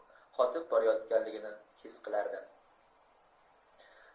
qotib borayotganligini his qilardi